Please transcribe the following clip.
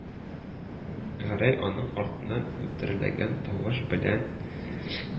Гәрәй аның артыннан үтерелгән тавыш белән: